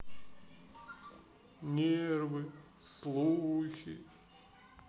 нервы слухи